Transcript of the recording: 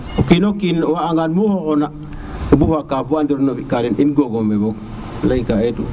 o kiinoo kiin o waag a ngan mu xoxo na kaaf o bufa kaf bo andiro ne o fi ka den in go aoox we fop lay e tus